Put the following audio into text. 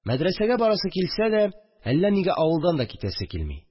Мәдрәсәгә барасы килсә дә, әллә нигә авылдан да китәсе килми